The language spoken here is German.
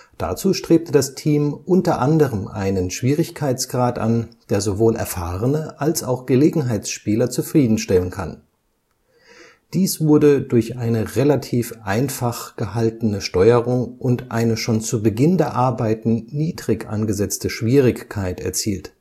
Dazu strebte das Team unter anderem einen Schwierigkeitsgrad an, der sowohl erfahrene als auch Gelegenheitsspieler zufriedenstellen kann. Dies wurde durch eine einfach gehaltene Steuerung und eine schon zu Beginn der Arbeiten niedrig angesetzte Schwierigkeit erzielt